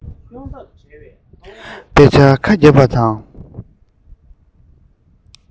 དཔེ ཆ ཁ བརྒྱབ པ དང ལག པ